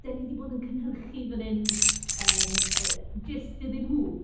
dan ni 'di bod yn cynhyrchu fan hyn, yym, yy jyst iddyn nhw.